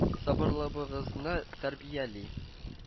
Сабырлыгыбызны тәрбияли